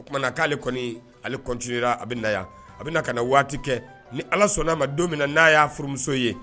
O tumana na k'ale kɔni ale a bɛ na yan a bɛ na ka na waati kɛ ni ala sɔnna n'a ma don min na n'a y'a furumuso ye